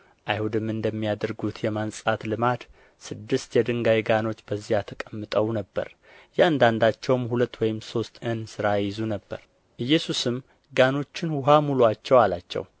አይሁድም እንደሚያደርጉት የማንጻት ልማድ ስድስት የድንጋይ ጋኖች በዚያ ተቀምጠው ነበር እያንዳንዳቸውም ሁለት ወይም ሦስት እንስራ ይይዙ ነበር ኢየሱስም ጋኖቹን ውኃ ሙሉአቸው አላቸው